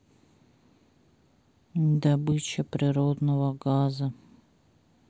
добыча природного газа